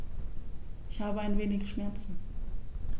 Ich habe ein wenig Schmerzen.